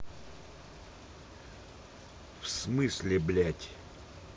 всмысле блять